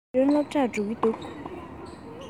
ཉི སྒྲོན སློབ གྲྭར འགྲོ གི འདུག